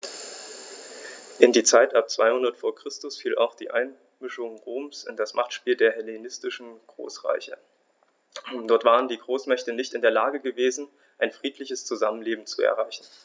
In die Zeit ab 200 v. Chr. fiel auch die Einmischung Roms in das Machtspiel der hellenistischen Großreiche: Dort waren die Großmächte nicht in der Lage gewesen, ein friedliches Zusammenleben zu erreichen.